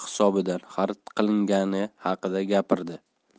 hisobidan xarid qilingani haqida gapirdi